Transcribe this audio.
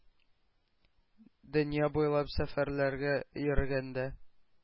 Дөнья буйлап сәфәрләргә йөргәндә,